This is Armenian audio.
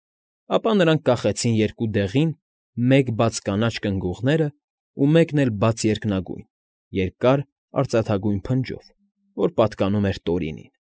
Ապա նրանք կախեցին երկու դեղին, մեկ բաց կանաչ կնգուղներն ու մեկն էլ բաց երկնագույն, երկար, արծաթագույն փնտոց, որ պատկանում էր Տորինին։